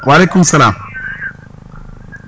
waaleykum salaam